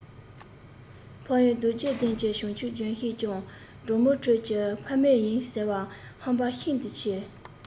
འཕགས ཡུལ རྡོ རྗེ གདན གྱི བྱང ཆུབ ལྗོན ཤིང བཅས སྤྲང མོ ཁྱོད ཀྱི ཕ མེས ཡིན ཟེར བ ཧམ པ ཤིན ཏུ ཆེ